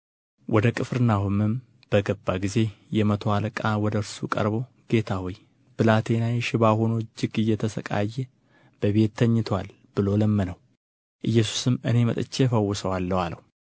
ወደ ቅፍርናሆምም በገባ ጊዜ የመቶ አለቃ ወደ እርሱ ቀርቦ ጌታ ሆይ ብላቴናዬ ሽባ ሆኖ እጅግ እየተሣቀየ በቤት ተኝቶአል ብሎ ለመነው ኢየሱስም እኔ መጥቼ እፈውሰዋለሁ አለው